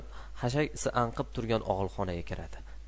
xashak isi anqib turgan og'ilxonaga kiradi